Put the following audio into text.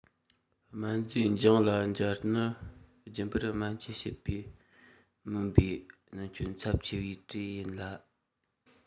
སྨན རྫས དབྱིངས ལ འབྱར ནི རྒྱུན པར སྨན བཅོས བྱེད པ མིན པའི གནོན སྐྱོན ཚབས ཆེ བའི གྲས ཡིན ལ